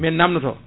namdoto